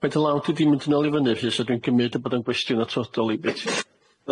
Mae dy law di 'di mynd yn ôl i fyny Rhys so dwi'n cymyd y bod yn gwestiwn atodol i be' ti...